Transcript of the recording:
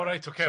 O reit ocê.